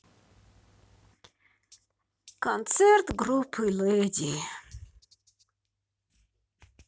концерт группы леди